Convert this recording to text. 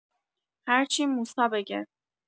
هرچی موسی بگه